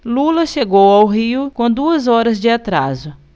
lula chegou ao rio com duas horas de atraso